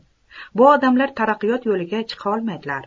bu odamlar taraqqiyot yo'liga chiqa olmaydilar